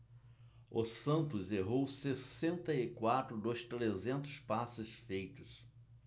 o santos errou sessenta e quatro dos trezentos passes feitos